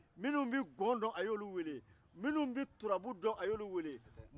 minnu bɛ gɔn dɔn a y'olu weele minnu bɛ turabu dɔn a y'olu weele